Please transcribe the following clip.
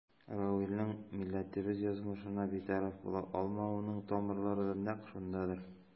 Равилнең милләтебез язмышына битараф була алмавының тамырлары да нәкъ шундадыр.